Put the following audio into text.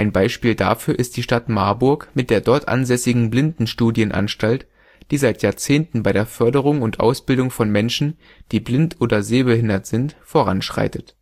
Beispiel dafür ist die Stadt Marburg mit der dort ansässigen Blindenstudienanstalt, die seit Jahrzehnten bei der Förderung und Ausbildung von Menschen, die blind oder sehbehindert sind, voranschreitet